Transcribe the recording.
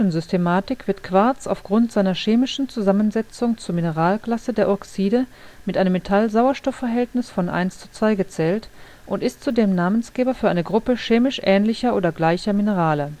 Systematik wird Quarz aufgrund seiner chemischen Zusammensetzung zur Mineralklasse der Oxide mit einem Metall-Sauerstoffverhältnis von 1:2 gezählt und ist zudem Namensgeber für eine Gruppe chemisch ähnlicher oder gleicher Minerale